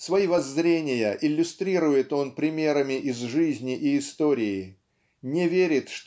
Свои воззрения иллюстрирует он примерами из жизни и истории не верит